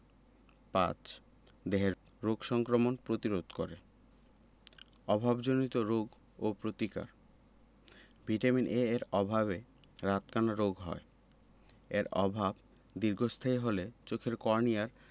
৫. দেহে রোগ সংক্রমণ প্রতিরোধ করে অভাবজনিত রোগ ও প্রতিকার ভিটামিন A এর অভাবে রাতকানা রোগ হয় এর অভাব দীর্ঘস্থায়ী হলে চোখের কর্নিয়ায়